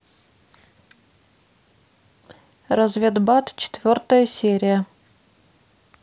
разведбат четвертая серия